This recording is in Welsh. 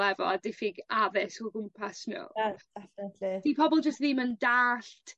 efo a diffyg addysg o gwmpas n'w. Yes definitely. 'Di pobol just ddim yn d'allt